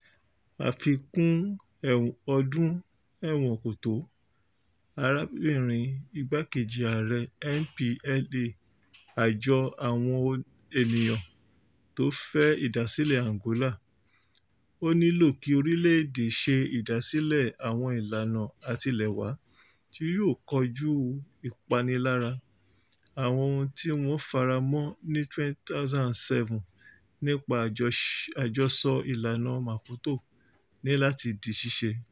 Àfikún ọdún ẹ̀wọ̀n kò tó, arábìnrin igbá-kejì Ààrẹ MPLA [Àjọ Àwọn ènìyàn tó fẹ́ ìdásílẹ̀ Angola], Ó nílò kí orílẹ̀-èdè ṣe ìdásílẹ̀ àwọn ìlànà àtilẹ̀wá tí yóò kojú ìpanilára – Àwọn ohun tí wọ́n fara mọ́ ní 2007 nípa àjọsọ ìlànà Maputo ní láti di ṣíṣe.